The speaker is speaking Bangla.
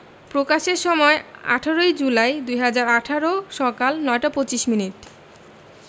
প্রকাশের সময় ১৮ই জুলাই ২০১৮ সকাল ৯টা ২৫ মিনিট